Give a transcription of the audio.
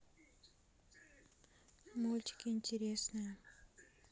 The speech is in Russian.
мультики интересные